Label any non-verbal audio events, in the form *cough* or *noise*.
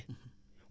*hesitation* *hesitation*